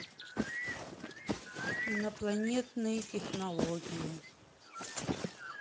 инопланетные технологии